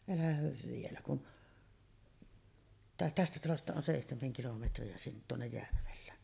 älähän vielä kun tästä talosta on seitsemän kilometriä - tuonne Järvelään